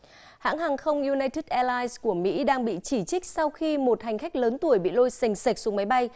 hãng hàng không diu nai tựt e lai của mỹ đang bị chỉ trích sau khi một hành khách lớn tuổi bị lôi xềnh xệch xuống máy bay